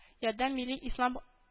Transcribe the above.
“ярдәм” милли ислам